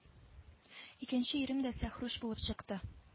Икенче ирем дә сәхрүш булып чыкты